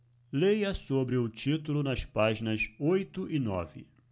leia sobre o título nas páginas oito e nove